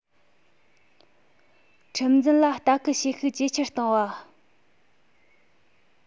ཁྲིམས འཛིན ལ ལྟ སྐུལ བྱེད ཤུགས ཇེ ཆེར གཏོང བ